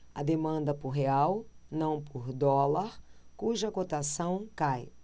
há demanda por real não por dólar cuja cotação cai